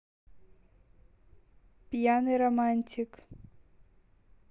пьяный романтик